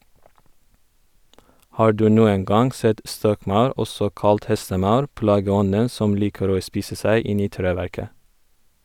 Har du noen gang sett stokkmaur, også kalt hestemaur, plageånden som liker å spise seg inn i treverket?